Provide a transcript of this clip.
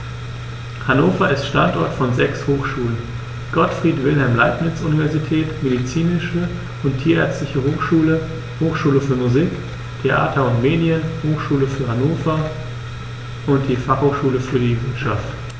Hannover ist Standort von sechs Hochschulen: Gottfried Wilhelm Leibniz Universität, Medizinische und Tierärztliche Hochschule, Hochschule für Musik, Theater und Medien, Hochschule Hannover und die Fachhochschule für die Wirtschaft.